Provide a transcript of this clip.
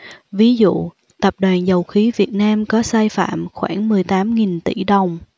ví dụ tập đoàn dầu khí việt nam có sai phạm khoảng mười tám nghìn tỷ đồng